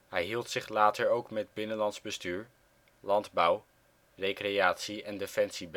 Hij hield zich later ook met binnenlands bestuur, landbouw, recreatie en defensie